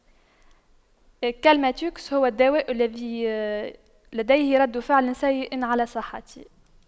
كالماتيوكس هو الدواء الذي لديه رد فعل سيء على صحتي